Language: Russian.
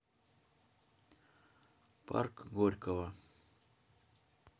парк горького